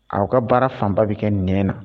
Aw ka baara fanba bɛ kɛ n na